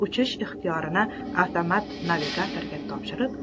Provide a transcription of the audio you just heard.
uchish ixtiyorini avtomat navigatorga topshirib